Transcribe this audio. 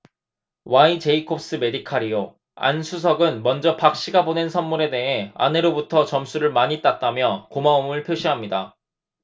와이제이콥스메디칼이요 안 수석은 먼저 박 씨가 보낸 선물에 대해 아내로부터 점수를 많이 땄다며 고마움을 표시합니다